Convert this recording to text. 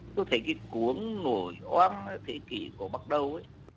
tôi thấy cái cuống nổi oan thế kỷ của bắt đầu ý